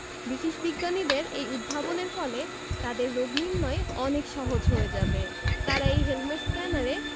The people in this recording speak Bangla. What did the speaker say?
ব্রিটিশ বিজ্ঞানীদের এই উদ্ভাবনের ফলে তাদের রোগনির্নয় অনেক সহজ হয়ে যাবে তারা এই হেলমেট স্ক্যানারে